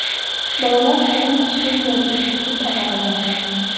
Балалар шуның өчен дә бик көтеп ала аларны.